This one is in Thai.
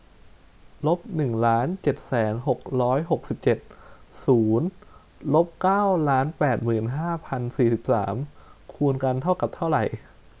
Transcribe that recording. ลบหนึ่งล้านเจ็ดแสนหกร้อยหกสิบเจ็ดศูนย์ลบเก้าล้านแปดหมื่นห้าพันสี่สิบสามคูณกันเท่ากับเท่าไหร่